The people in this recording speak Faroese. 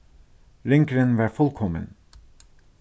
ringurin var fullkomin